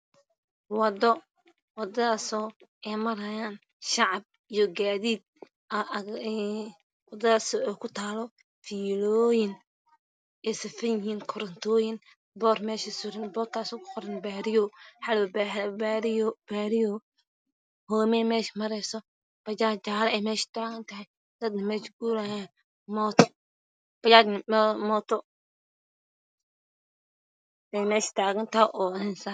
Waa wado wadadtoos ku taal waxaa kuoqran baariyo bajaja iyo mooto